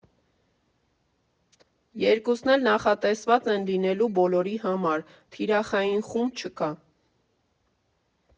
Երկուսն էլ նախատեսված են լինելու բոլորի համար, թիրախային խումբ չկա։